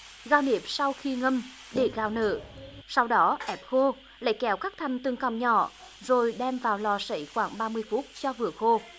gạo nếp sau khi ngâm để gạo nở sau đó ép khô lấy kéo cắt thành từng cọng nhỏ rồi đem vào lò sấy khoảng ba mươi phút cho vừa khô